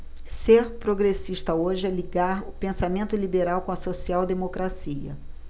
ser progressista hoje é ligar o pensamento liberal com a social democracia